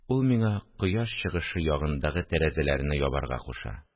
– ул миңа кояш чыгышы ягындагы тәрәзәләрне ябарга куша